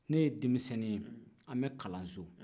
ne ye denmisɛnni ye an bɛ kalan so